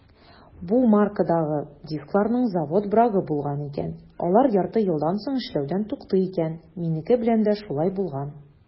Бу маркадагы дискларның завод брагы булган икән - алар ярты елдан соң эшләүдән туктый икән; минеке белән дә шулай булган.